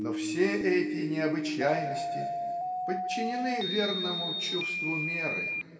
но все эти необычайности подчинены верному чувству меры.